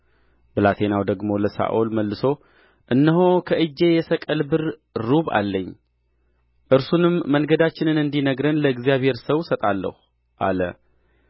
ብላቴናው ደግሞ ለሳኦል መልሶ እነሆ በእጄ የሰቅል ብር ሩቡ አለኝ እርሱንም መንገዳችንን እንዲነግረን ለእግዚአብሔር ሰው እሰጣለሁ አለ